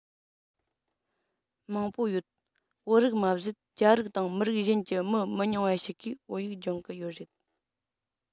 མང པོ ཡོད བོད རིགས མ ཟད རྒྱ རིགས དང མི རིགས གཞན གྱི མི མི ཉུང བ ཞིག གིས བོད ཡིག སྦྱོང གི ཡོད རེད